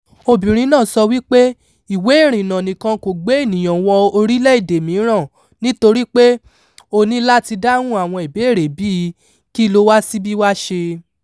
Obìnrin náà sọ wípé ìwé ìrìnnà nìkan kò gbé ènìyàn wọ orílẹ̀-èdè mìíràn nítorí pé "o ní láti dáhùn àwọn ìbéèrè bíi, Kí ló wa síbí wá ṣe?"